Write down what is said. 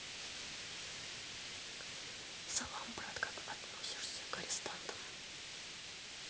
салам брат как относишься к арестантам